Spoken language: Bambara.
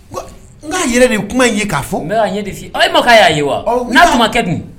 Ko n ka yɛrɛ de ye kuma in ye k'a fɔ. Nka y'a ɲɛ de f'i ye, ɔ e m'a fɔ k'e y'a ye wa? Awɔ. Ɔ n'a tun ma kɛ dun?